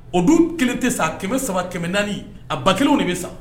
O dun kelen tɛ sa a kɛmɛ saba kɛmɛ naani a ba kelenw de bɛ san